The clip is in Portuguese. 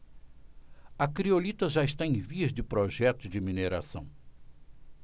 a criolita já está em vias de projeto de mineração